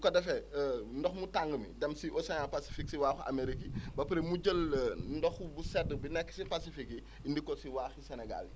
bu ko defee ndox mu tàng mi dem si Océan Pacifique si waaxu Amérique yi ba pare mu jël ndox bu sedd bu nekk si Pacifique yi indi ko si waaxu Sénégal yi